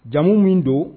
Jamu min don